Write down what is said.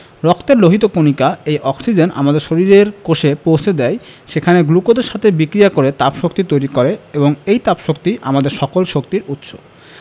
রক্তের লোহিত কণিকা এই অক্সিজেন আমাদের শরীরের কোষে পৌছে দেয় সেখানে গ্লুকোজের সাথে বিক্রিয়া করে তাপশক্তি তৈরি করে এবং এই তাপশক্তি আমাদের সকল শক্তির উৎস